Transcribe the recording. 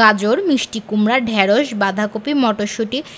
গাজর মিষ্টি কুমড়া ঢেঁড়স বাঁধাকপি মটরশুঁটি